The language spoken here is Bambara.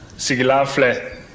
sigilan filɛ